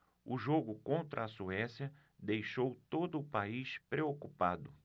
o jogo contra a suécia deixou todo o país preocupado